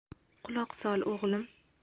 quloq sol o'g'lim